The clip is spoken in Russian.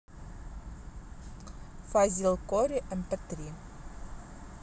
фозил кори mp три